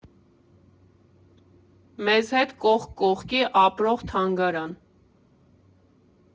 Մեզ հետ կողք կողքի ապրող թանգարան։